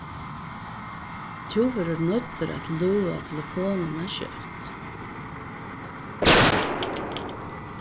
tú verður noyddur at løða telefonina skjótt